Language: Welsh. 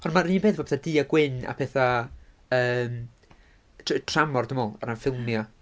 Ond mae'r un peth efo petha du a gwyn a petha... yym tr- tramor, dwi'n meddwl, o ran ffilmiau.